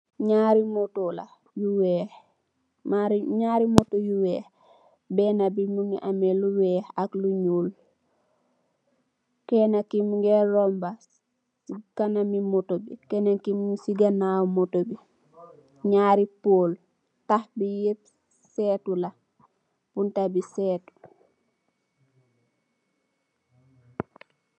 Naari moto la yu week naari moto yu weex bena bi mogi ameh lu weex ak lu nuul kena ki mogeh romba si kanami moto bi kenen ki mung si kanaw moto bi naari poll tahh bi yeep seetu la bunta bi seetu.